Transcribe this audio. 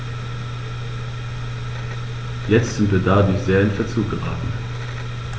Jetzt sind wir dadurch sehr in Verzug geraten.